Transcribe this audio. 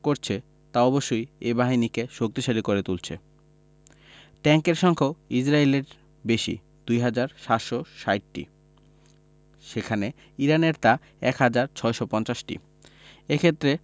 করছে তা অবশ্যই এই বাহিনীকে শক্তিশালী করে তুলছে ট্যাংকের সংখ্যাও ইসরায়েলের বেশি ২ হাজার ৭৬০টি সেখানে ইরানের তা ১ হাজার ৬৫০টি এ ক্ষেত্রে